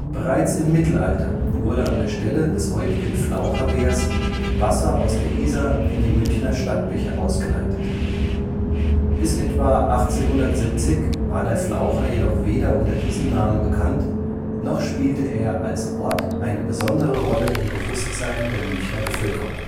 Bereits im Mittelalter wurde an der Stelle des heutigen Flaucherwehrs Wasser aus der Isar in die Münchner Stadtbäche ausgeleitet. Bis etwa 1870 war der Flaucher jedoch weder unter diesem Namen bekannt, noch spielte er als Ort eine besondere Rolle im Bewusstsein der Münchner Bevölkerung